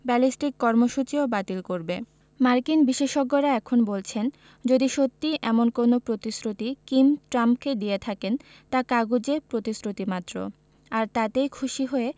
ballistic কর্মসূচিও বাতিল করবে মার্কিন বিশেষজ্ঞেরা এখন বলছেন যদি সত্যি এমন কোনো প্রতিশ্রুতি কিম ট্রাম্পকে দিয়ে থাকেন তা কাগুজে প্রতিশ্রুতিমাত্র আর তাতেই খুশি হয়ে